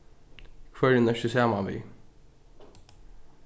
hvørjum ert tú saman við